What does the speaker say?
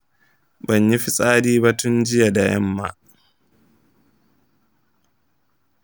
banyi fitsari ba tin jiya da yamma.